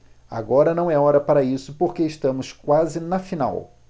agora não é hora para isso porque estamos quase na final